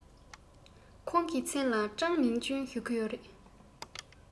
ཁོང གི མཚན ལ ཀྲང མིང ཅུན ཞུ གི ཡོད རེད